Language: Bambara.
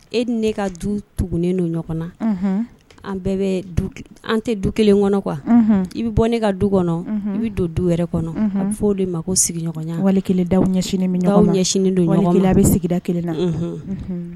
E ni ne ka du tugunen don ɲɔgɔn na an bɛɛ bɛ an tɛ du kelen kɔnɔ qu i bɛ bɔ ne ka du kɔnɔ i bɛ don du yɛrɛ kɔnɔ' de ma ko sigiɲɔgɔnya wali da ɲɛ ɲɛ bɛ sigida kelen na